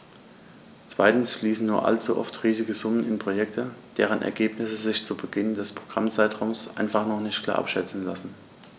Zweitens fließen nur allzu oft riesige Summen in Projekte, deren Ergebnisse sich zu Beginn des Programmzeitraums einfach noch nicht klar abschätzen lassen.